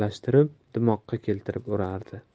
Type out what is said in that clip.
aralashtirib dimoqqa keltirib urardi